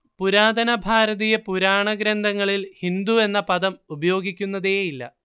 പുരാതന ഭാരതീയ പുരാണഗ്രന്ഥങ്ങളിൽ ഹിന്ദു എന്ന പദം ഉപയോഗിക്കുന്നതേയില്ല